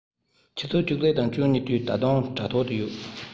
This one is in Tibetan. ཆུ ཚོད བཅུ གཅིག དང བཅུ གཉིས དུས ད དུང དྲ ཐོག ཏུ ཡོད